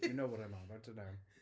You know what I'm on about don't you?